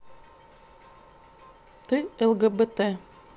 ты лгбт